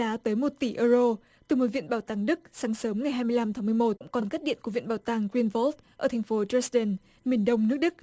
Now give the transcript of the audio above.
giá tới một tỷ ơ rô từ một viện bảo tàng đức sáng sớm ngày hai mươi lăm tháng mười một vẫn còn cắt điện của viện bảo tàng ghin vốt ở thành phố dét từn miền đông nước đức